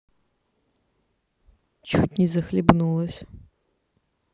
чуть не захлебнулась